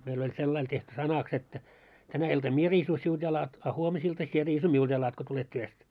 meillä oli sillä lailla tehty sanaksi että tänä iltana minä riisun sinulta jalat a huomisilta sinä riisut minulta jalat kun tulet työstä